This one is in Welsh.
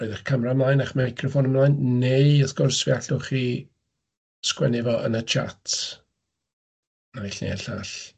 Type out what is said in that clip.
roid eich camera ymlaen a'ch meicroffon ymlaen, neu wrth gwrs fe allwch chi sgwennu fo yn y chat naill ne' y llall.